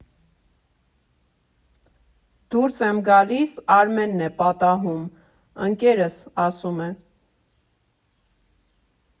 Դուրս եմ գալիս, Արմենն է պատահում՝ ընկերս, ասում է.